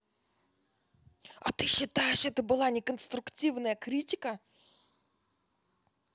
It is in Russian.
а ты считаешь это была неконструктивная критика